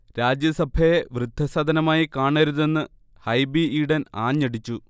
രാജ്യസഭയെ വൃദ്ധസദനമായി കാണരുതെന്ന് ഹൈബി ഈഡൻ ആഞ്ഞടിച്ചു